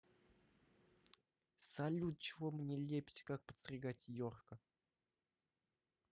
салют чего вы мне лепите как подстригать йорка